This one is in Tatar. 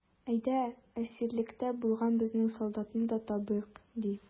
Әйдә, әсирлектә булган безнең солдатны да табыйк, ди.